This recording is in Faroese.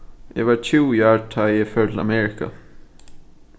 eg var tjúgu ár tá ið eg fór til amerika